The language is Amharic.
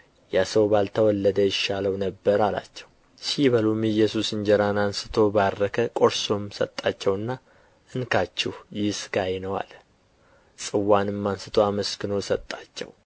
ያ ሰው ባልተወለደ ይሻለው ነበር አላቸው ሲበሉም ኢየሱስ እንጀራን አንሥቶ ባረከ ቈርሶም ሰጣቸውና እንካችሁ ይህ ሥጋዬ ነው አለ ጽዋንም አንሥቶ አመስግኖም ሰጣቸው